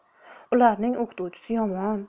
ularning o'qituvchisi yomon